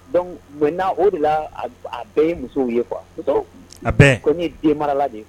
Dɔnku mɛ n' o de la a bɛɛ ye musow ye kuwa ko nin den marala de